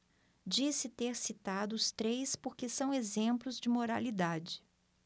disse ter citado os três porque são exemplos de moralidade